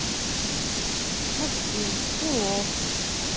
максим ты лох